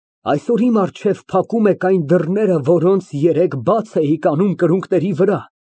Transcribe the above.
Այսօր իմ առջև փակում եք այն դռները, որոնց երեկ բաց էիք անում կրունկների վրա։